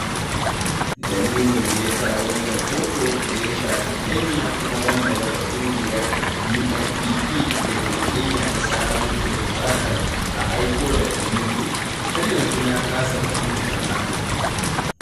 Dalilin da yasa wani rahoto da ya shafi Kenya kuma wanda wata ƙungiya (UNEP) da ke Kenya ta samar ke buƙatan a aiko daga UK har yanzu na kasa fahimtan hakan.